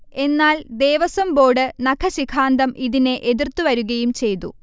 എന്നാൽ, ദേവസ്വം ബോർഡ് നഖശിഖാന്തം ഇതിനെ എതിർത്തു വരികയും ചെയ്തു